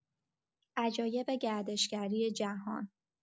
عجایب گردشگری جهان